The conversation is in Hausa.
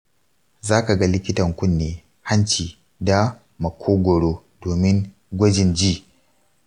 za ka ga likitan kunne hanci da makogoro domin gwajin ji.